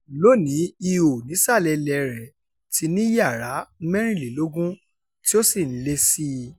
Lónìí, ihò nísàlẹ̀ ilẹ̀ẹ rẹ̀ ti ní yàrá 24 tí ó sì ń lé sí i.